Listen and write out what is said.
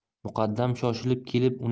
muqaddam shoshilib kelib